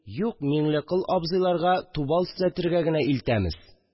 Юк, Миңлекол абзыйларга тубал төзәтергә генә илтәмез